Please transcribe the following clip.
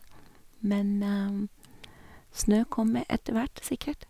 Men snø kommer etter hvert, sikkert.